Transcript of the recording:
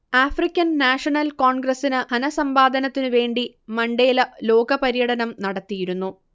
African National കോൺഗ്രസ്സിന് ധനസമ്പാദനത്തിനു വേണ്ടി മണ്ടേല ലോകപര്യടനം നടത്തിയിരുന്നു